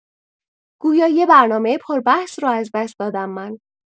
گویا یه برنامه پربحث رو از دست دادم من!